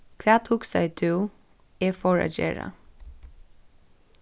hvat hugsaði tú eg fór at gera